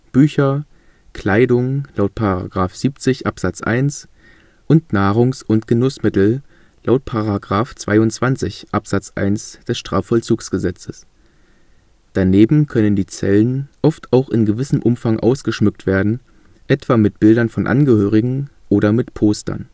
Bücher, Kleidung (§ 70 Abs. 1 StVollzG), Nahrungs - und Genussmittel (§ 22 Abs. 1 StVollzG). Daneben können die Zellen oft auch in gewissem Umfang ausgeschmückt werden, etwa mit Bildern von Angehörigen oder Postern